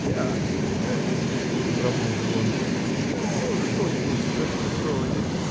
Я не поэт, -- промолвил он, -- но что-нибудь в этом роде.